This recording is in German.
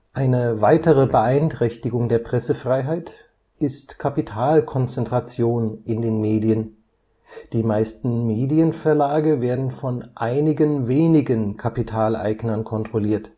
Eine weitere Beeinträchtigung der Pressefreiheit ist Kapitalkonzentration in den Medien, die meisten Medienverlage werden von einigen wenigen Kapitaleignern kontrolliert